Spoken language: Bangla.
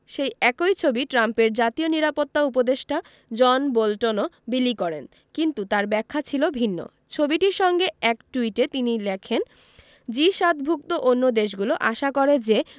সেই একই ছবি ট্রাম্পের জাতীয় নিরাপত্তা উপদেষ্টা জন বোল্টনও বিলি করেন কিন্তু তাঁর ব্যাখ্যা ছিল ভিন্ন ছবিটির সঙ্গে এক টুইটে তিনি লেখেন জি ৭ ভুক্ত অন্য দেশগুলো আশা করে যে